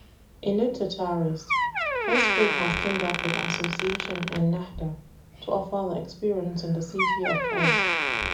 (A note to tourists: Fez Food has teamed up with Association ENNAHDA to offer the experience in the city of Fez.)